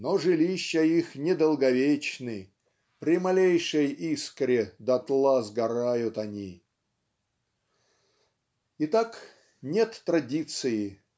Но жилища их не долговечны: при малейшей искре дотла сгорают они". Итак, нет традиции.